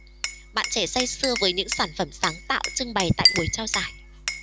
bạn trẻ say sưa với những sản phẩm sáng tạo trưng bày tại buổi trao giải